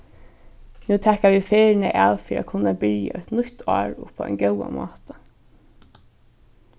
nú taka vit ferðina av fyri at kunna byrja eitt nýtt ár upp á ein góðan máta